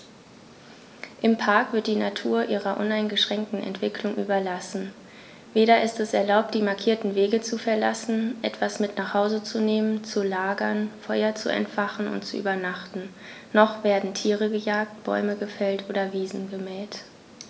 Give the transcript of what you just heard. Im Park wird die Natur ihrer uneingeschränkten Entwicklung überlassen; weder ist es erlaubt, die markierten Wege zu verlassen, etwas mit nach Hause zu nehmen, zu lagern, Feuer zu entfachen und zu übernachten, noch werden Tiere gejagt, Bäume gefällt oder Wiesen gemäht.